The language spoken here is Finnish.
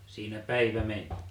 siinä päivä meni